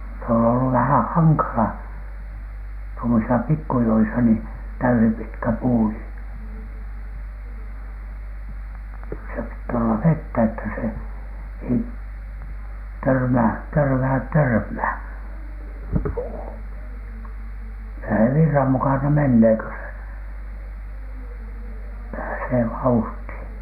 se on ollut vähän hankala tuommoisissa pikkujoissa niin täyspitkä puu niin kyllä se piti olla vettä että se ei törmää törmää törmään puu kyllä se virran mukana menee kun se pääsee vauhtiin